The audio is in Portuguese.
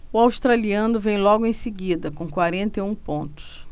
o australiano vem logo em seguida com quarenta e um pontos